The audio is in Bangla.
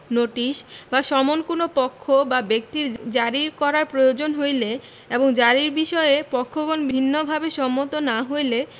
নোটিশ বা সমন কোন পক্ষ বা ব্যক্তির জারী করার প্রয়োজন হইলে এবং জারীর বিষয়ে পক্ষগণ ভিন্নভাবে সম্মত না হইলে